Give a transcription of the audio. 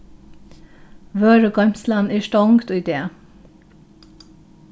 vørugoymslan er stongd í dag